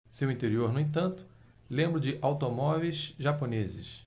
seu interior no entanto lembra o de automóveis japoneses